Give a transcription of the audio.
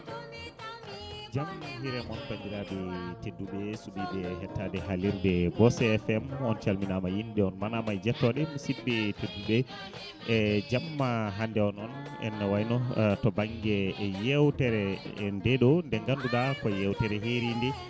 jaam hiire moon bandiraɓe tedduɓe suɓiɓe hettade haalirde Bosse FM on calminama einde on maanama e jettoɗe musibɓe tedduɓe e jamma hande o noon ne wayno to banggue yewtere ndeɗo nde ganduɗa ko yewtere heeride